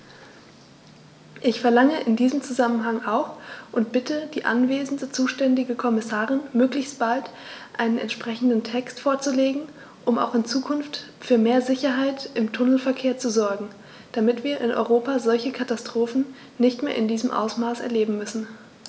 Ich verlange in diesem Zusammenhang auch und bitte die anwesende zuständige Kommissarin, möglichst bald einen entsprechenden Text vorzulegen, um auch in Zukunft für mehr Sicherheit im Tunnelverkehr zu sorgen, damit wir in Europa solche Katastrophen nicht mehr in diesem Ausmaß erleben müssen!